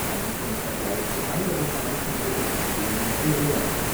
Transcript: ein im Vergleich zu anderen Heimcomputersystemen geringer Wert